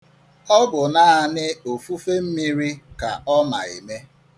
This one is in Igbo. Ọ bụ naanị òfufe mmiri ka ọ ma eme.